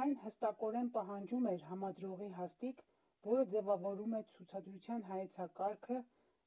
Այն հստակորեն պահանջում էր համադրողի հաստիք, որը ձևավորում է ցուցադրության հայեցակարգը,